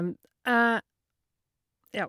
Ja.